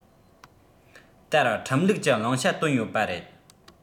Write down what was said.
ལྟར ཁྲིམས ལུགས ཀྱི བླང བྱ བཏོན ཡོད པ རེད